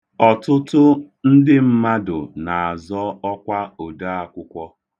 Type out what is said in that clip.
Ọtụtụ ndị mmadụ na-azọ ọkwa odaakwụkwọ.